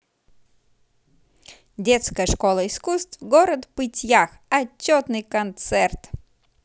детская школа искусств город пытьях отчетный концерт